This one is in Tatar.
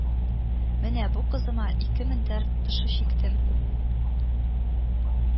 Менә бу кызыма ике мендәр тышы чиктем